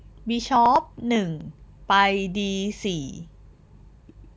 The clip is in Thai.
บิชอปหนึ่งไปดีสี่